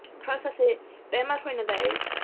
Prosesu be ma' rhywun yn ddeud.